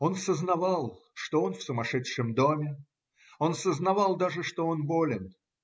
Он сознавал, что он в сумасшедшем доме; он сознавал даже, что он болен.